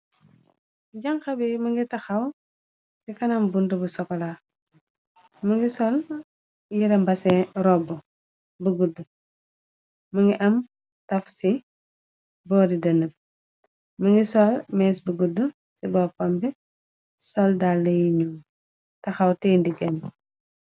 Janqa bi më ngi taxaw ci kanam buntu bu sokola më ngi sol yiram base roubu bu gudu më ngi am taf ci boori dëne b mi ngi sol mees bu gudu ci boppambe sol dalle yi ñuul taxaw tee ndigen be.